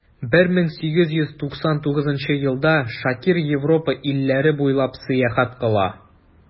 1899 елда шакир европа илләре буйлап сәяхәт кыла.